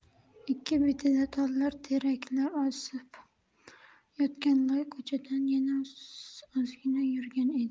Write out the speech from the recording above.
ikki betida tollar teraklar o'sib yotgan loy ko'chadan yana ozgina yurgan edik